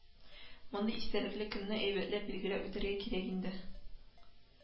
Мондый истәлекле көнне әйбәтләп билгеләп үтәргә кирәк инде